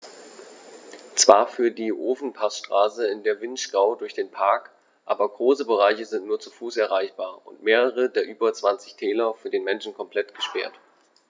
Zwar führt die Ofenpassstraße in den Vinschgau durch den Park, aber große Bereiche sind nur zu Fuß erreichbar und mehrere der über 20 Täler für den Menschen komplett gesperrt.